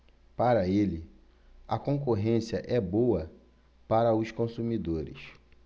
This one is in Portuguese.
para ele a concorrência é boa para os consumidores